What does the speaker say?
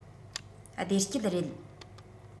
བདེ སྐྱིད རེད